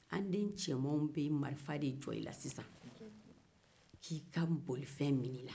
den cɛmanw bɛ marifa de jɔ i la sisan k'i ka bolifɛn minɛ i la